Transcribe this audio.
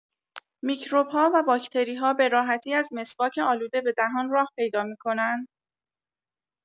میکروب‌ها و باکتری‌ها به راحتی از مسواک آلوده به دهان راه پیدا می‌کنند؟